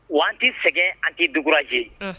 Wa an ti sɛgɛn an ti découragée